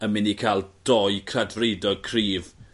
yn myn' i ca'l doi cradfridog cryf.